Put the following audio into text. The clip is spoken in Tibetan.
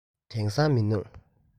དེང སང མི འདུག